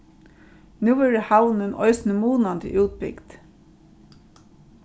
nú verður havnin eisini munandi útbygd